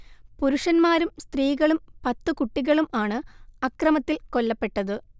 പുരുഷന്മാരും സ്ത്രീകളും പത്തു കുട്ടികളും ആണു അക്രമത്തിൽ കൊല്ലപ്പെട്ടത്